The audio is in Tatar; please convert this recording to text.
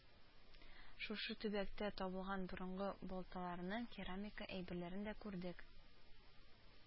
Шушы төбәктә табылган борынгы балталарны, керамика әйберләрен дә күрдек